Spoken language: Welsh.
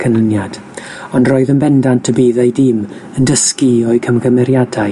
canlyniad, ond roedd yn bendant y bydd ei dîm yn dysgu o'u cymgymeriadau